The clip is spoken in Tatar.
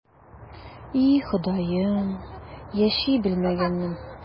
И, Ходаем, яши белмәгәнмен...